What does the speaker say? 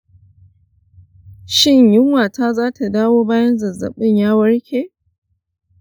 shin yunwata za ta dawo bayan zazzabin ya warke?